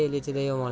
el ichida yomonlar